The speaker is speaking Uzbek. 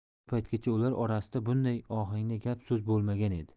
shu paytgacha ular orasida bunday ohangda gap so'z bo'lmagan edi